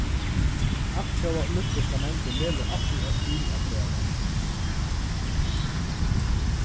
altjóða olympiska nevndin velur altíð ein bý at vera vert